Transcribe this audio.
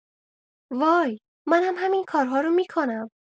وای، منم همین کارها رو می‌کنم.